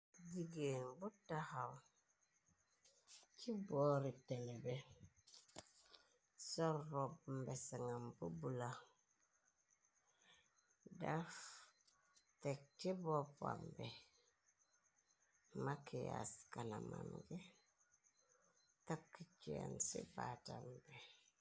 Jigéen bu taxaw ci boori tene bi sor rob mbesangam bu bula daf teg ci boppam bi makiyaas kanaman gi takk cenn ci baatam bi.